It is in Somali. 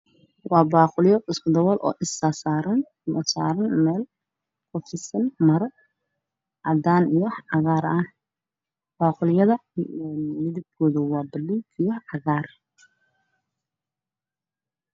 Waa baaquuniyo isku dal daboolan oo saaran meel ku fidsan ah midabkooda waa buluug iyo cagaar